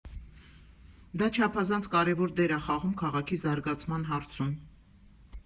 Դա չափազանց կարևոր դեր ա խաղում քաղաքի զարգացման հարցում։